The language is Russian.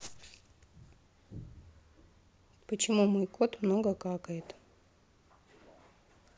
почему мой кот много какает